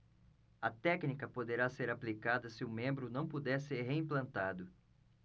a técnica poderá ser aplicada se o membro não puder ser reimplantado